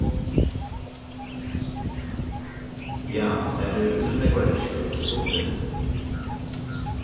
ja har eru so ikki nógvar restir til hundin